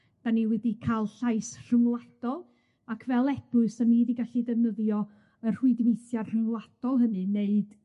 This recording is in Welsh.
'dan ni wedi ca'l llais rhyngwladol ac fel eglwys, 'dan ni 'di gallu defnyddio y rhwydweithia rhyngwladol hynny i neud